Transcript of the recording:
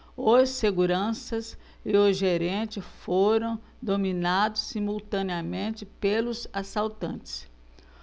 os seguranças e o gerente foram dominados simultaneamente pelos assaltantes